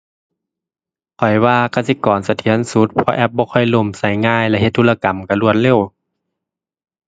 ข้อยว่ากสิกรเสถียรสุด เพราะแอปบ่ค่อยล่ม ใช้ง่าย แล้วเฮ็ดธุรกรรมใช้รวดเร็ว